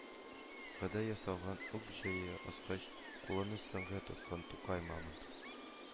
Гыдан ясалган ук-җәя аскан, кулына сөңге тоткан тукай мамонт